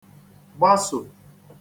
-gbasò